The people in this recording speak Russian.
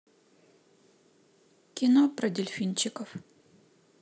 кино про дельфинчиков